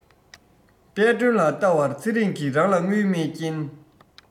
དཔལ སྒྲོན ལ བལྟ བར ཚེ རིང གི རང ལ དངུལ མེད རྐྱེན